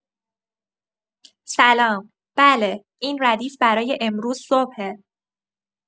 سلام، بله، این ردیف برای امروز صبحه.